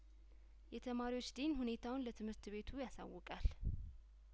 የተማሪዎች ዲን ሁኔታውን ለትምህርት ቤቱ ያሳውቃል